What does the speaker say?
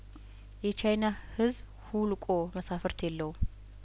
የቻይና ህዝብ ሁልቆ መሳፍርት የለውም